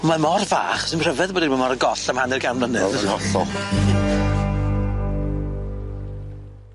Mae mor fach, sdim rhyfedd bod e 'di myn' ar goll am hanner can mlynedd. Yn hollol.